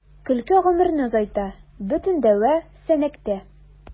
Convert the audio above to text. Көлке гомерне озайта — бөтен дәва “Сәнәк”тә.